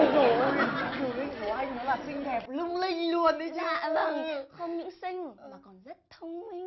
dồi ui kiều linh của anh nó là xinh đẹp lung linh luôn ấy không những xinh mà còn rất thông minh